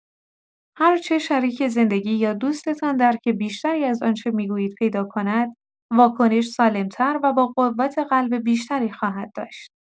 هرچه شریک زندگی یا دوستتان درک بیشتری از آنچه می‌گویید پیدا کند، واکنش سالم‌تر و با قوت قلب بیشتری خواهد داشت.